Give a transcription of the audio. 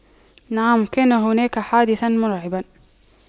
نعم كان هناك حادثا مرعبا